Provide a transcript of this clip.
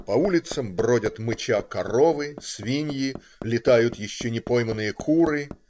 По улицам бродят, мыча, коровы, свиньи, летают еще не пойманные куры.